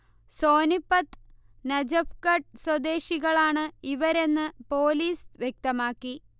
സോനിപത്ത്, നജഫ്ഘട്ട് സ്വദേശികളാണ് ഇവരെന്ന് പോലീസ് വ്യക്തമാക്കി